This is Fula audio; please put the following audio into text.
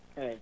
eeyi